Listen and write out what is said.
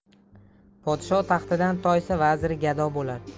podsho taxtidan toysa vaziri gado bo'lar